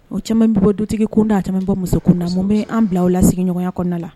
O caman bɛ bɔ dutigi kun na' caman bɔ muso na mun bɛ an bila u la sigiɲɔgɔnya kɔnɔna la